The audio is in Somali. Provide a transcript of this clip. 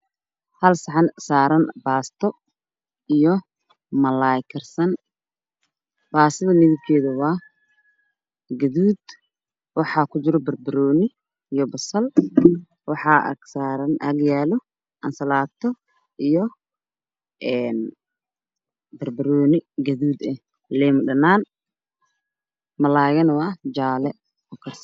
Hal saxan saaran baasto io malay karsan baastada midabkeedu waa guduud waxaa ku jira banbanooni io basal waxaa agsaaran moos , ansalaato barborooni guduud ah liin dhanaan oo ah jaale